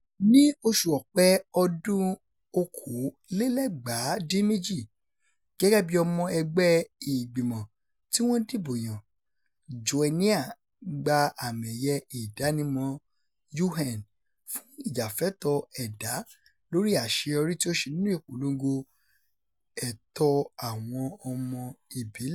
Ní oṣù Ọ̀pẹ ọdún-un 2018, gẹ́gẹ́ bí ọmọ ẹgbẹ́ ìgbìmọ̀ tí wọ́n dìbò yàn, Joenia gba àmì ẹ̀yẹ ìdánimọ̀ UN fún ìjàfẹ́tọ̀ọ́ ẹ̀dá lórí àṣeyọrí tí ó ṣe nínú ìpolongo ẹ̀tọ́ àwọn ọmọ ìbílẹ̀.